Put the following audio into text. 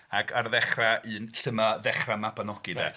Ac ar ddechra' un lle mae dechra' Mabinogi de.